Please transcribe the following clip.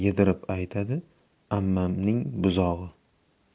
yedirib aytadi ammamning buzog'i